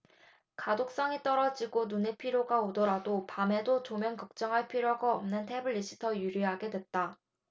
가독성이 떨어지고 눈의 피로가 오더라도 밤에도 조명 걱정할 필요가 없는 태블릿이 더 유리하게 됐다